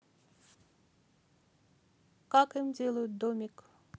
как им делают домик